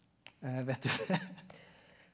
er vet du det?